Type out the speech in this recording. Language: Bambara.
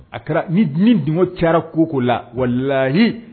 A kɛra ni ni dun ca ko ko la wala la